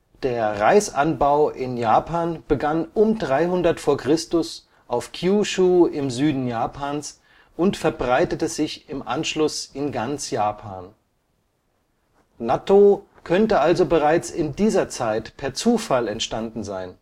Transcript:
Der Reisanbau in Japan begann um 300 v. Chr. auf Kyūshū im Süden Japans und verbreitete sich im Anschluss in ganz Japan. Nattō könnte also bereits in dieser Zeit per Zufall entstanden sein